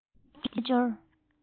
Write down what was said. དམའ འབེབས ཀྱི སྐད ཅོར